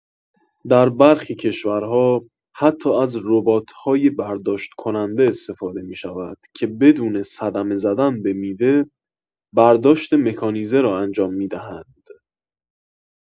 در برخی کشورها حتی از روبات‌های برداشت‌کننده استفاده می‌شود که بدون صدمه زدن به میوه، برداشت مکانیزه را انجام می‌دهند.